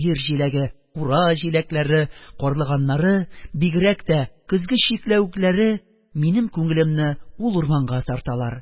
Җир җиләге, кура җиләкләре, карлыганнары, бигрәк тә көзге чикләвекләре минем күңелемне ул урманга тарталар,